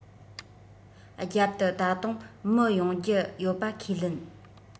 རྒྱབ དུ ད དུང མི ཡོང རྒྱུ ཡོད པ ཁས ལེན